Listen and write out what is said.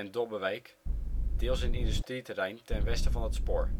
Dobbewijk - deels een industrieterrein ten westen van het spoor